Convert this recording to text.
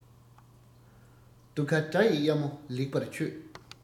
སྡུག ཁ དགྲ ཡི གཡབ མོ ལེགས པར ཆོད